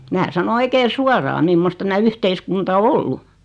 minä sanoin oikein suoraan mimmoista tämä yhteiskunta on ollut